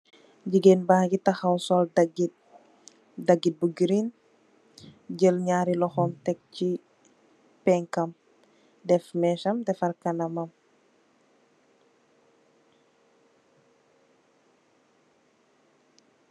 Gigeen ba ngi taxaw sol dagit, dagit bu green jél ñaari loxom tek ci penkam, dèf més am defarr kanamam.